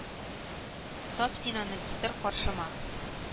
Тап син аны китер каршы ма